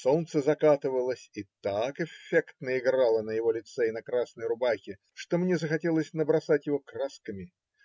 Солнце закатывалось и так эффектно играло на его лице и на красной рубахе, что мне захотелось набросать его красками.